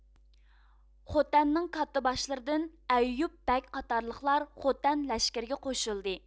خوتەننىڭ كاتتىباشلىرىدىن ئەييۇب بەگ قاتارلىقلار خوتەن لەشكىرىگە قوشۇلدى